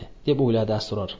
deb o'yladi sror